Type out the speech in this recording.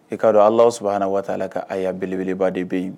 I k'a dɔn Alahu subahana watala ka aya beleba de bɛ yen.